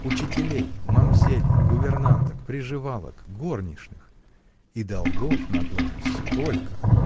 учителей, мамзелей, гувернанток, приживалок, горничных. и долгов на доме сколько!